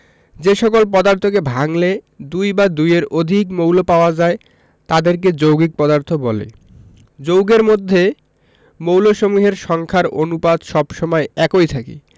যে সকল পদার্থকে ভাঙলে দুই বা দুইয়ের অধিক মৌল পাওয়া যায় তাদেরকে যৌগিক পদার্থ বলে যৌগের মধ্যে মৌলসমূহের সংখ্যার অনুপাত সব সময় একই থাকে